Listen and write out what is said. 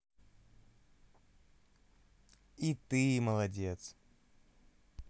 и ты молодец